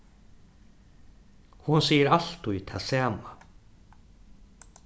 hon sigur altíð tað sama